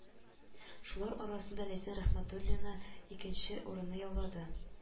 Шулар арасында Ләйсән Рәхмәтуллина икенче урынны яулады